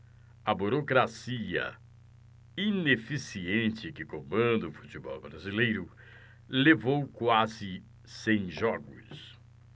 a burocracia ineficiente que comanda o futebol brasileiro levou quase cem jogos